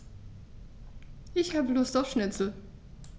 Ich habe Lust auf Schnitzel.